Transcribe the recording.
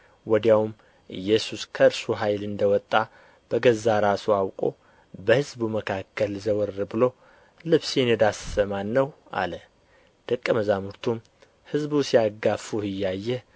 ወዲያውም ኢየሱስ ከእርሱ ኃይል እንደ ወጣ በገዛ ራሱ አውቆ በሕዝቡ መካከል ዘወር ብሎ ልብሴን የዳሰሰ ማን ነው አለ ደቀ መዛሙርቱም ሕዝቡ ሲያጋፉህ እያየህ